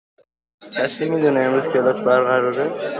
کسی می‌دونه امروز کلاس برقراره؟